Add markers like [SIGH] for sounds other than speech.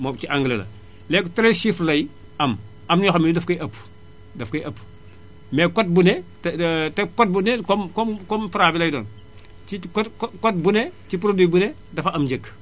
moom ci anglais la léegi 13 chiffres lay am am na yoo xam ne daf koy ëpp daf koy ëpp mais code bu ne te [HESITATION] te code bu ne comme comme comme Fra bi lay doon ci co co code bu ne ci produit bu ne dafa am njëg